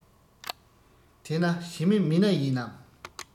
དེ ན ཞི མི མི སྣ ཡིན ནམ